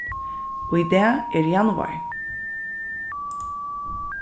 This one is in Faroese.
í dag er januar